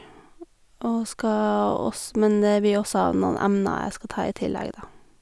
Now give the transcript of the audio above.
og skal ogs Men det blir også av noen emner jeg skal ta i tillegg, da.